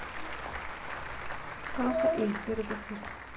каха и серго фильм